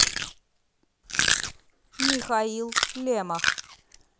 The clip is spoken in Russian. михаил лемах